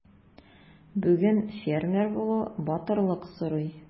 Бүген фермер булу батырлык сорый.